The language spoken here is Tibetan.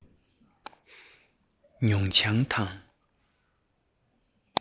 མྱོང བྱང དང